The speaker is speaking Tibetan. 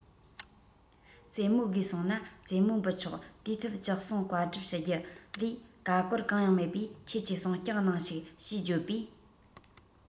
ཙེ མོ དགོས གསུངས ན ཙེ མོ འབུལ ཆོག དེའི ཐད ཅི གསུངས བཀའ སྒྲུབ ཞུ རྒྱུ ལས ཀར ཀོར གང ཡང མེད པས ཁྱེད ཀྱི གསུང རྐྱང གནང ཞིག ཅེས བརྗོད པས